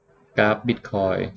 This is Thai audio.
กราฟบิทคอยน์